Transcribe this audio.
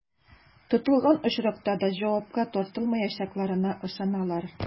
Тотылган очракта да җавапка тартылмаячакларына ышаналар.